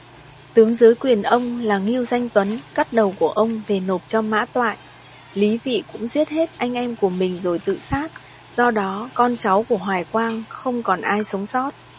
tướng dưới quyền ông là ngưu danh tuấn cắt đầu của ông về nộp cho mã toại lý vị cũng giết hết anh em của mình rồi tự sát do đó con cháu của hoài quang không còn ai sống sót